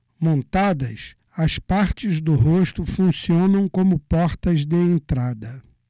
montadas as partes do rosto funcionam como portas de entrada